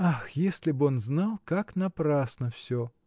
Ах, если б он знал, как напрасно всё!.